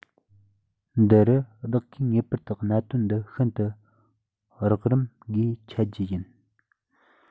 འདི རུ བདག གིས ངེས པར དུ གནད དོན འདི ཤིན ཏུ རགས རིམ སྒོས འཆད རྒྱུ ཡིན